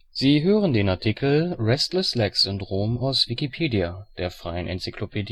Sie hören den Artikel Restless-Legs-Syndrom, aus Wikipedia, der freien Enzyklopädie